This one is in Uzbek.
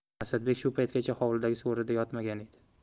asadbek shu paytgacha hovlidagi so'rida yotmagan edi